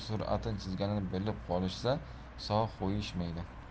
suratini chizganini bilib qolishsa sog' qo'yishmaydi